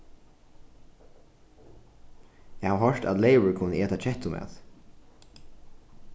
eg havi hoyrt at leyvur kunnu eta kettumat